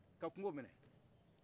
ka kungo minɛ